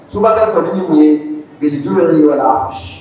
Subaka sɔrɔ ni mun ye ?